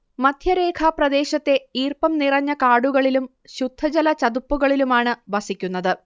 മധ്യരേഖാപ്രദേശത്തെ ഈർപ്പം നിറഞ്ഞ കാടുകളിലും ശുദ്ധജലചതുപ്പുകളിലുമാണ് വസിക്കുന്നത്